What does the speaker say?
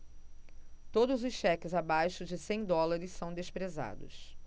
todos os cheques abaixo de cem dólares são desprezados